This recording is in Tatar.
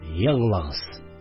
Еглаңыз